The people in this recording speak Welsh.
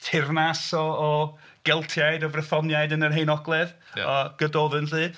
Teyrnas o o Geltiaid o Frythoniaid yn yr Hen Ogledd... ia. ... o Gododdin 'lly.